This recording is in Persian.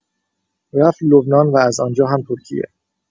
رفت لبنان و از آنجا هم ترکیه.